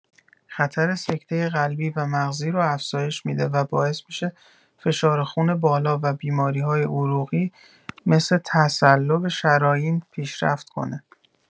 خطر سکته قلبی و مغزی رو افزایش می‌ده و باعث می‌شه فشار خون بالا و بیماری‌های عروقی مثل تصلب شرائین پیشرفت کنه.